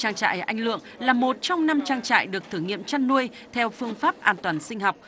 trang trại anh lượng là một trong năm trang trại được thử nghiệm chăn nuôi theo phương pháp an toàn sinh học